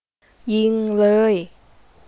ยิงเลย